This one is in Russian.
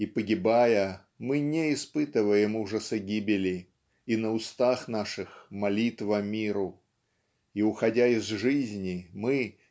И погибая, мы не испытываем ужаса гибели, и на устах наших молитва миру и уходя из жизни мы